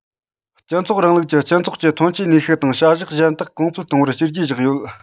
སྤྱི ཚོགས རིང ལུགས ཀྱི སྤྱི ཚོགས ཀྱི ཐོན སྐྱེད ནུས ཤུགས དང བྱ གཞག གཞན དག གོང འཕེལ གཏོང བར བྱས རྗེས བཞག ཡོད